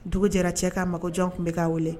Dugu jɛra cɛ ka mago jɔn tun bɛ ka wuli